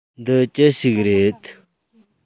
འདི ཅི ཞིག རེད